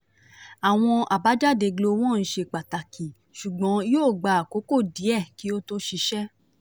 Àwọn àbájáde Glo-1 ṣe pàtàkì, ṣùgbọ́n yóò gba àkókò díẹ̀ kí ó tó ṣiṣẹ́.